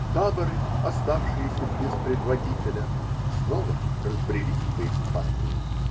А таборы, оставшиеся без предводителя, снова разбрелись по Испании.